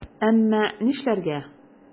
Әмма нишләргә?!